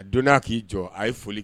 A don aa k'i jɔ a ye foli